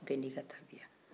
bɛɛ n'i ka tabiya